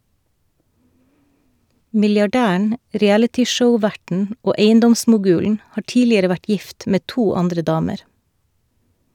Milliardæren, realityshow-verten og eiendomsmogulen har tidligere vært gift med to andre damer.